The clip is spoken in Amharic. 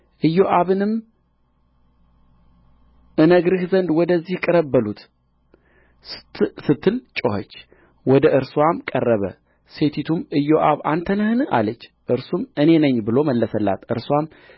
ኢዮአብንም እነግርህ ዘንድ ወደዚህ ቅረብ በሉት ስትል ጮኸች ወደ እርስዋም ቀረበ ሴቲቱም ኢዮአብ አንተ ነህን አለች እርሱም እኔ ነኝ ብሎ መለሰላት እርስዋም